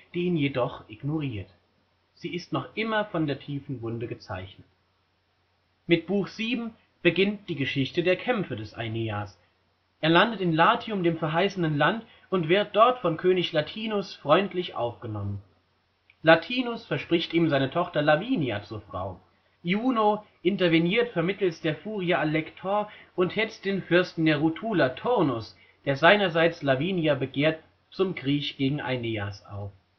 ihn jedoch ignoriert. Sie ist noch immer von der tiefen Wunde gezeichnet. Mit Buch 7 beginnt die Geschichte der Kämpfe des Aeneas. Er landet in Latium, dem verheißenen Land, und wird dort von König Latinus freundlich aufgenommen. Latinus verspricht ihm seine Tochter Lavinia zur Frau. Juno interveniert vermittels der Furie Allecto und hetzt den Fürsten der Rutuler, Turnus, der seinerseits Lavinia begehrt, zum Krieg gegen Aeneas